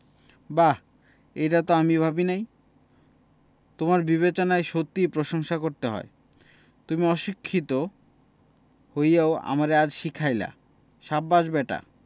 বাহ এইটা তো আমি ভাবিনাই তোমার বিবেচনায় সত্যিই প্রশংসা করতে হয় তুমি অশিক্ষিতো হইয়াও আমারে আজ শিখাইলা সাব্বাস ব্যাটা